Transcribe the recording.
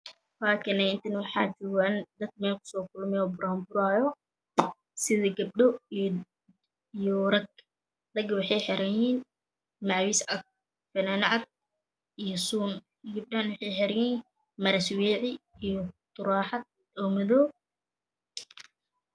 Saakaneetana waxaa duuban dad meel kusoo kulamy oo buraaburaayo sida gabdho iyo rag raga waxay xiranyihiin macwiis cad faanaanad cad suun gabdhahana waxay xiran yihiin maro suu yari taruxad oo madow